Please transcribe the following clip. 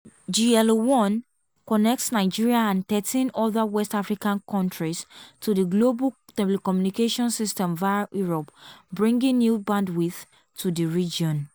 GLO-1 connects Nigeria and 13 other West African countries to the global telecommunications system via Europe, bringing new bandwidth to the region.